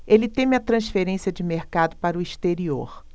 ele teme a transferência de mercado para o exterior